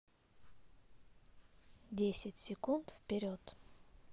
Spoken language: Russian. десять секунд вперед